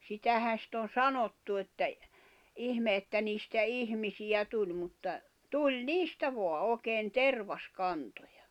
sitähän sitten on sanottu että ihme että niistä ihmisiä tuli mutta tuli niistä vain oikein tervaskantoja